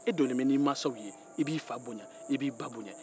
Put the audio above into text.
e jɔlen bɛ n'i mansaw ye i b'i fa bonya i b'i ba bonya